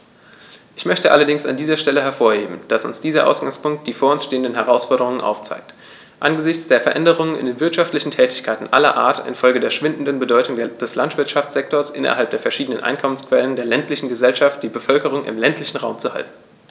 Ich möchte allerdings an dieser Stelle hervorheben, dass uns dieser Ausgangspunkt die vor uns stehenden Herausforderungen aufzeigt: angesichts der Veränderungen in den wirtschaftlichen Tätigkeiten aller Art infolge der schwindenden Bedeutung des Landwirtschaftssektors innerhalb der verschiedenen Einkommensquellen der ländlichen Gesellschaft die Bevölkerung im ländlichen Raum zu halten.